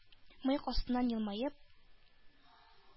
Мыек астыннан елмаеп: